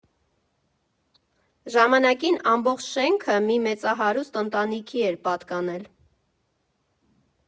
Ժամանակին ամբողջ շենքը մի մեծահարուստ ընտանիքի էր պատկանել։